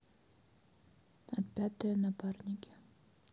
отпетые напарники